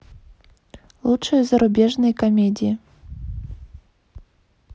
лучшие зарубежные комедии